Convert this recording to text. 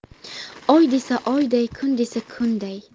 oy desa oyday kun desa kunday